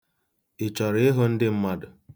Ị chọrọ ịhụ ndị mmadụ?